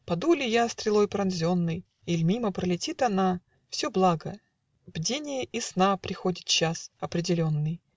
Паду ли я, стрелой пронзенный, Иль мимо пролетит она, Все благо: бдения и сна Приходит час определенный